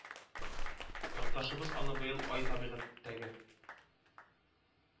Якташыбыз аны быел ай табигатьтәге